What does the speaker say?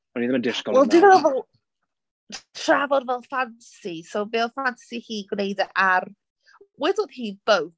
O'n ni ddim yn disgwyl... Wel dwi'n meddwl, t- trafod fel fantasies. So, be oedd fel fantasy hi gwneud e ar... wedodd hi "boat".